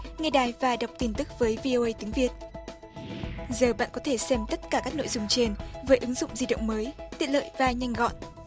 nghe đài và đọc tin tức với vi ô ây tiếng việt giờ bạn có thể xem tất cả các nội dung trên với ứng dụng di động mới tiện lợi và nhanh gọn